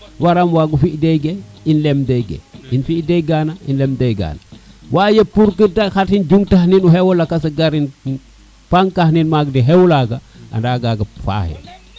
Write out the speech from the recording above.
waro mo wago fi de ge im lem dege i fi de gana im lem de gana waye pour te xatil jumtax nen xewo lakas garin im paakax nin maga no xewo laga anda gaga faaxe